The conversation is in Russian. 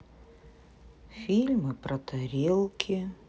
фильмы про тарелки